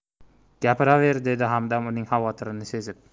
gapiraver dedi hamdam uning xavotirini sezib